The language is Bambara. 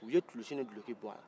u ye kulusi ni duloki bɔ a la